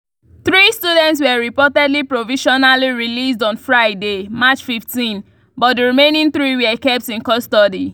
Three students were reportedly provisionally released on Friday, March 15, but, the remaining three were kept in custody.